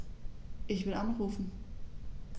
Ich will anrufen.